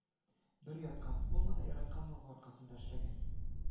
Бер яктан, ул моны яратканлыгы аркасында эшләгән